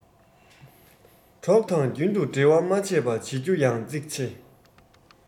གྲོགས དང རྒྱུན དུ འབྲེལ བ མ ཆད པ བྱེད རྒྱུ ཡང གཙིགས ཆེ